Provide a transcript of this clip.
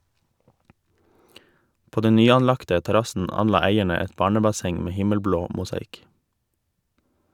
På den nyanlagte terrassen anla eierne et barnebasseng med himmelblå mosaikk.